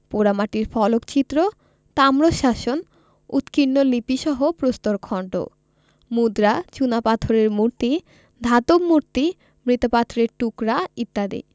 পোড়ামাটির ফলকচিত্র তাম্রশাসন উৎকীর্ণ লিপিসহ প্রস্তরখন্ড মুদ্রা চূনাপাথরের মূর্তি ধাতব মূর্তি মৃৎপাত্রের টুকরা ইত্যাদি